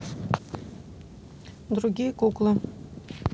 другие куклы